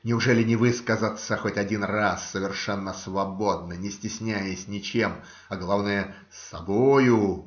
Неужели не высказаться хоть один раз совершенно свободно, не стесняясь ничем, а главное собою.